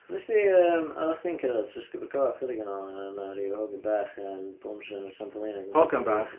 wnes di yym, oeddach chdi'n cerddad trwy Sgubor Goch chydig yn ôl oedd a oedd 'na ryw hogyn bach yn bownsio arna trampolîn ac yn codi un bys